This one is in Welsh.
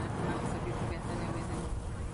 a ymatab y profiada newydd yn